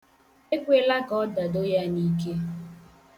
Ekwela ka ọ dado ya n'ike.